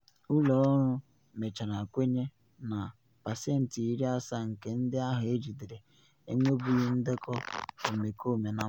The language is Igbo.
Ụlọ ọrụ mechara kwenye na pasentị 70 nke ndị ahụ ejidere enwebughi ndekọ omekome na mbụ.